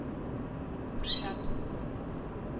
Курчак